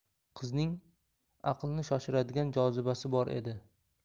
qizning aqlni shoshiradigan jozibasi bor edi